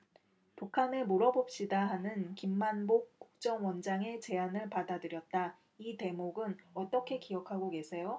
북한에 물어봅시다 하는 김만복 국정원장의 제안을 받아들였다 이 대목은 어떻게 기억하고 계세요